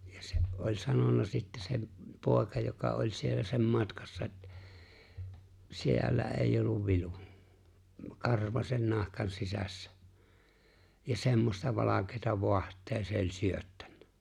ja se oli sanonut sitten se poika joka oli siellä sen matkassa että siellä ei ollut vilu karvaisen nahkan sisässä ja semmoista valkeata vaahtoa se oli syöttänyt